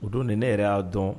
O don de ne yɛrɛ y'a dɔn